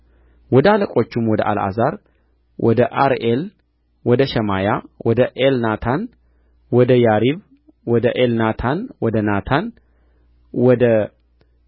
ወደ አለቆቹም ወደ አልዓዛር ወደ አርኤል ወደ ሸማያ ወደ ኤልናታን ወደ ያሪብ ወደ ኤልናታን ወደ ናታን ወደ